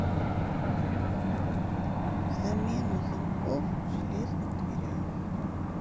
замена замков в железных дверях